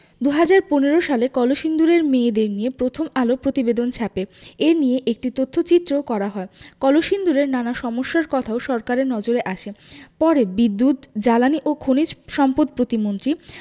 ২০১৫ সালে কলসিন্দুরের মেয়েদের নিয়ে প্রথম আলো প্রতিবেদন ছাপে এ নিয়ে একটি তথ্যচিত্রও করা হয় কলসিন্দুরের নানা সমস্যার কথাও সরকারের নজরে আসে পরে বিদ্যুৎ জ্বালানি ও খনিজ সম্পদ প্রতিমন্ত্রী